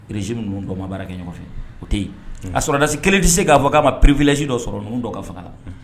Kieresi ninnu dɔ ma baara kɛ ɲɔgɔn nɔfɛ o tɛ yen a sɔrɔda se kelen tɛ se k'a fɔ k'a ma privililasi dɔ sɔrɔ ninnu dɔ ka fanga la